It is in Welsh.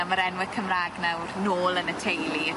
...a ma'r enwe Cymra'g nawr nôl yn y teulu.